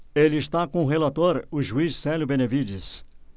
ele está com o relator o juiz célio benevides